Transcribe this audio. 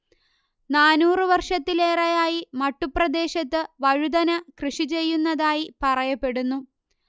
നാനൂറ് വർഷത്തിലേറെയായി മട്ടുപ്രദേശത്ത് വഴുതന കൃഷി ചെയ്യുന്നതായി പറയപ്പെടുന്നു